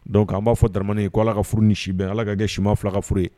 Dɔnku k'an b'a fɔ ddamamani ye ko' ala ka furuuru ni si bɛn ala ka kɛ sima fila ka furu ye